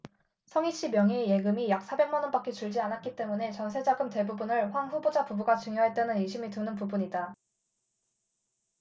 성희씨 명의의 예금이 약 사백 만원밖에 줄지 않았기 때문에 전세자금 대부분을 황 후보자 부부가 증여했다는 의심이 드는 부분이다